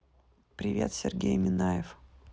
привет сергей минаев